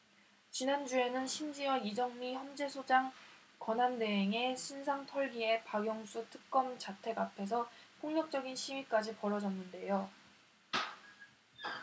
지난주에는 심지어 이정미 헌재소장 권한대행의 신상 털기에 박영수 특검 자택 앞에서 폭력적인 시위까지 벌어졌는데요